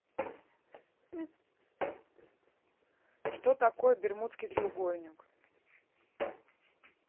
что такое бермудский треугольник